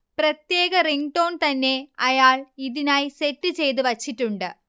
പ്രത്യേക റിങ്ങ്ടോൺ തന്നെ അയാൾ ഇതിനായി സെറ്റ്ചെയ്ത് വച്ചിട്ടുണ്ട്